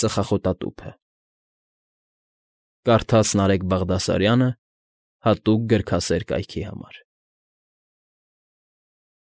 Ծխախոտատուփը։